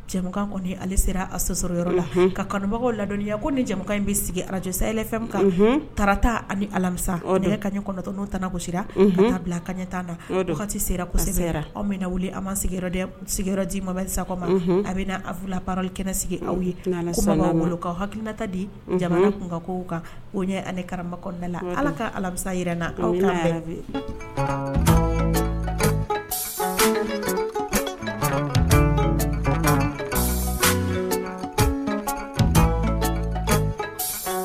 Kɔni sera a soso yɔrɔ la ka kanubaga ladɔnya ko ni jama in bɛ sigi alajsay fɛn kan karatata ani alamisa kaɲa kɔnɔtɔ n'o ta kosira a bila kaɲɛ tan na sera aw min na wuli an ma sigiyɔrɔ dɛ sigiyɔrɔji mabali sakɔma a bɛ a baaralikɛnɛ sigi aw ye ala malokaw hakilinata di jamana tun ka ko kan ko ɲɛ ale karamadala ala ka alamisa yɛrɛ n na aw